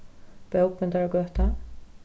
bókbindaragøta